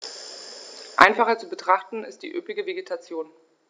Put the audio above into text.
Einfacher zu betrachten ist die üppige Vegetation.